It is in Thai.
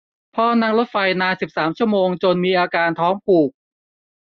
พ่อนั่งรถไฟนานสิบสามชั่วโมงจนมีอาการท้องผูก